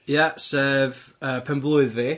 Ia sef yy penblwydd fi.